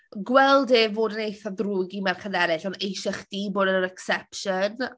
gweld e yn fod yn eitha ddrwg i merched eraill ond eisiau chdi bod yr exception.